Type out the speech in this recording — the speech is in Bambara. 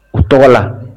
U tɔgɔ la